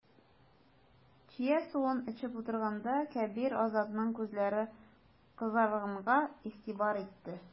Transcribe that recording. Чия суын эчеп утырганда, Кәбир Азатның күзләре кызарганга игътибар итте.